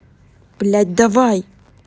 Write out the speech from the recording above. блядь давай